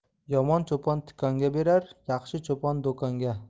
yomon cho'pon tikonga berar yaxshi cho'pon do'konga